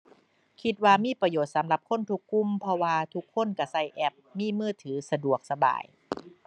คิดว่ามีประโยชน์สำหรับคนทุกกลุ่ม เพราะว่าทุกคนก็ก็แอป มีมือถือสะดวกสบาย